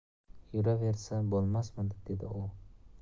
yuraversa bo'lmasmidi dedi u